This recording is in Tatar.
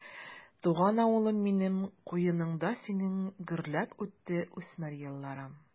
Туган авылым минем, куеныңда синең гөрләп үтте үсмер елларым.